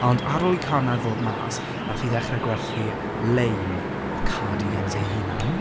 ond, ar ôl i cân 'na ddod mas, wnaeth hi ddechre gwerthu, lein o cardigans ei hunan.